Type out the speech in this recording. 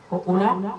O kunna